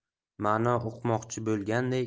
ma'no uqmoqchi bolganday